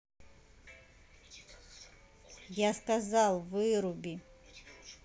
я сказал выруби